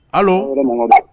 Allo Tarawelekɛ makan dɔn.